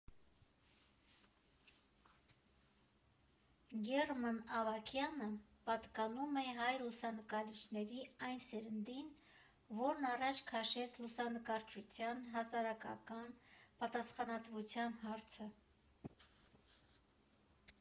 Գերման Ավագյանը պատկանում է հայ լուսանկարիչների այն սերնդին, որն առաջ քաշեց լուսանկարչության հասարակական պատասխանատվության հարցը։